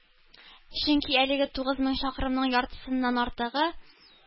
Чөнки әлеге тугыз мең чакрымның яртысыннан артыгы,